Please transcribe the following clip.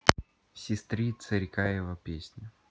сестры царикаева песня